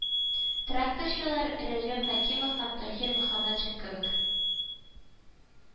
Тракторчылар рәҗәп хәкимов һәм таһир мөхәммәтшин кебек